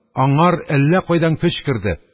Аңар әллә кайдан көч керде.